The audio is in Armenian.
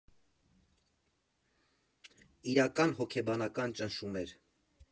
Իրական հոգեբանական ճնշում էր։